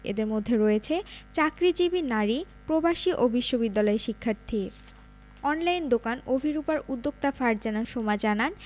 এঁদের মধ্যে রয়েছেন চাকরিজীবী নারী প্রবাসী ও বিশ্ববিদ্যালয় শিক্ষার্থী অনলাইন দোকান অভিরুপার উদ্যোক্তা ফারজানা সোমা জানান